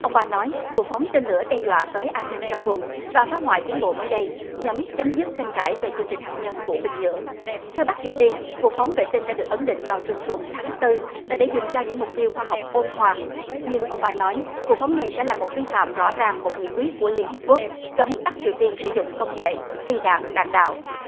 ông ban nói vụ phóng tên lửa đe dọa tới an ninh trong vùng và phá hoại tiến bộ mới đây nhấm chấm dứt tranh cãi về chương trình hạt nhân của bình nhưỡng theo bắc triều tiên vụ phóng vệ tinh đã được ấn định vào trung tuần tháng tư là để dùng cho những mục tiêu khoa học ôn hòa nhưng ông ban nói vụ phóng này sẽ là một vi phạm rõ ràng một nghị quyết của liên hiệp quốc cấm bắc triều tiên sử dụng công nghệ phi đạn đạn đạo